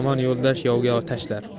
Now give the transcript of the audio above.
yomon yo'ldosh yovga tashlar